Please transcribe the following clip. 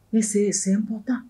I se senbonta